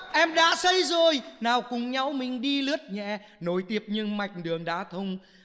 em đã xây rồi nào cùng nhau mình đi lướt nhẹ nối tiếp những mạch đường đã thông